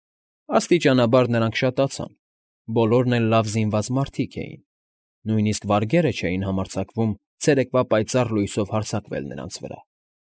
Աստիճանաբար նրանք շատացան, բոլորն էլ լավ զինված մարդիկ էին, նույնիսկ վարգերը չէին համարձակվում ցերեկվա պայծառ լույսով հարձակվել նրանց վրա։